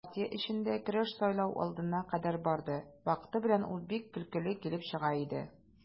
Партия эчендә көрәш сайлау алдына кадәр барды, вакыты белән ул бик көлкеле килеп чыга иде.